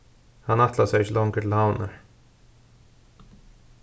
hann ætlar sær ikki longur til havnar